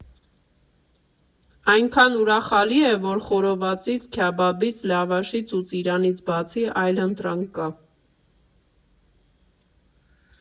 Այնքան ուրախալի է, որ խորովածից, քյաբաբից, լավաշից ու ծիրանից բացի այլընտրանք կա։